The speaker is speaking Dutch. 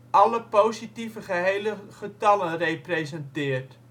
alle positieve gehele getallen representeert